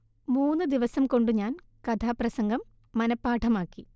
മൂന്നു ദിവസം കൊണ്ടു ഞാൻ കഥാപ്രസംഗം മനഃപാഠമാക്കി